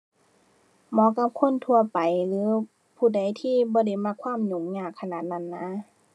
เหมาะกับคนทั่วไปหรือผู้ใดที่บ่ได้มักความยุ่งยากขนาดนั้นนะ